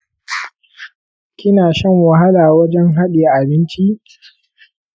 kina shan wahala wajen hadiye abinci?